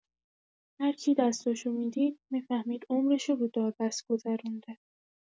هرکی دستاشو می‌دید، می‌فهمید عمرشو رو داربست گذرونده.